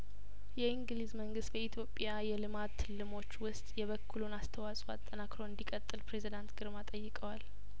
የእንግሊዝ መንግስት በኢትዮጵያ የልማት ትልሞች ውስጥ የበኩሉን አስተዋጽኦ አጠናክሮ እንዲቀጥል ፕሬዚዳንት ግርማ ጠይቀዋል